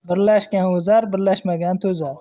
birlashgan o'zar birlashmagan to'zar